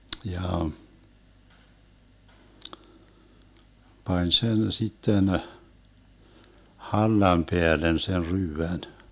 ja pani sen sitten hallan päälle sen ryydän